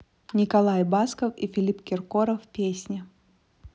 николай басков и филипп киркоров песня